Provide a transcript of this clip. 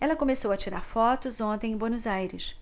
ela começou a tirar fotos ontem em buenos aires